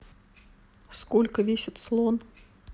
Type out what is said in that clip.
сколько весит слон